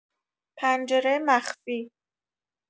پنجره مخفی